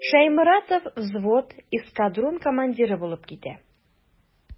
Шәйморатов взвод, эскадрон командиры булып китә.